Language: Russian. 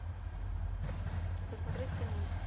посмотреть кино